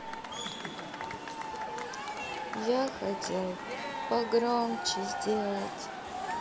я хотел погромче сделать